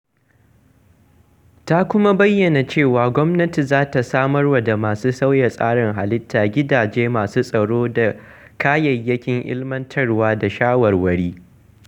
Ta kuma bayyana cewa gwamnati za ta samarwa da masu sauya tsarin halitta gidaje masu tsaro da kayayyakin ilmantarwa da shawarwari